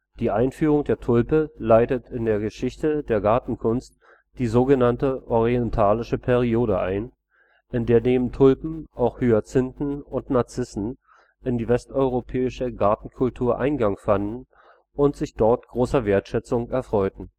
Die Einführung der Tulpe leitete in der Geschichte der Gartenkunst die sogenannte orientalische Periode ein, in der neben Tulpen auch Hyazinthen und Narzissen in die westeuropäische Gartenkultur Eingang fanden und sich dort großer Wertschätzung erfreuten